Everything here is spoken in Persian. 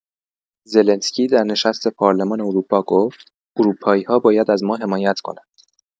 زلنسکی در نشست پارلمان اروپا گفت: اروپایی‌ها باید از ما حمایت کنند.